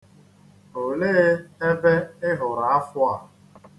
Olee ebe ị hụrụ afụ a?